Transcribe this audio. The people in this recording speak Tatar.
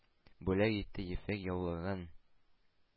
Бүләк итте ефәк яулыгын;